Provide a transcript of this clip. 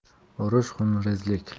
urush xunrezlik